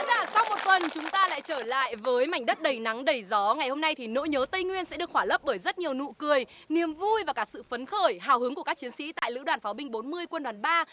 giả sau một tuần chúng ta lại trở lại với mảnh đất đầy nắng đầy gió ngày hôm nay thì nỗi nhớ tây nguyên sẽ được khỏa lấp bởi rất nhiều nụ cười niềm vui và cả sự phấn khởi hào hứng của các chiến sĩ tại lữ đoàn pháo binh bốn mươi quân đoàn ba